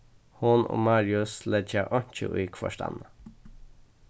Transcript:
hon og marius leggja einki í hvørt annað